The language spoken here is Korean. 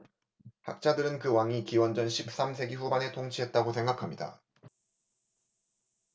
학자들은 그 왕이 기원전 십 삼 세기 후반에 통치했다고 생각합니다